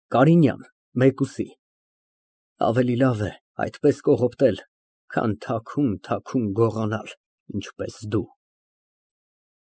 ԿԱՐԻՆՅԱՆ ֊ (Մեկուսի) Ավելի լավ է այդպես կողոպտել, քան թաքուն գողանալ, ինչպես դու։